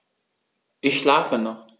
Ich schlafe noch.